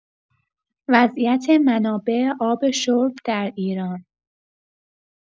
وضعیت منابع آب شرب در ایران